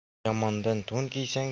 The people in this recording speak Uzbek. yomondan to'n kiysang